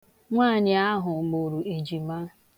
Nwaanyị ahụ mụrụ ejima.